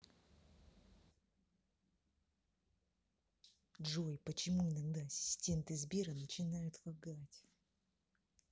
джой почему иногда ассистенты сбера начинают лагать